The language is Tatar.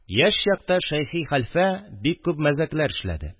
Яшь чакта Шәйхи хәлфә бик күп мәзәкләр эшләде